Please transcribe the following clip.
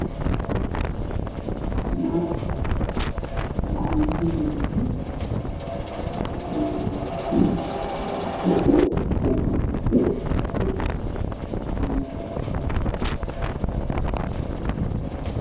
Naag gacanta ku heyso sakeel ka burka lagu qaso iyo beeshin biyo ku jiraan